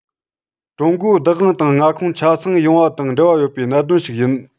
ཀྲུང གོའི བདག དབང དང མངའ ཁོངས ཆ ཚང ཡོང བ དང འབྲེལ བ ཡོད པའི གནད དོན ཞིག ཡིན